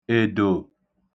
èdò